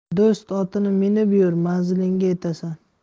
do'st otini minib yur manzilingga yetasan